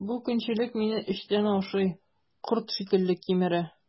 Бу көнчелек мине эчтән ашый, корт шикелле кимерә.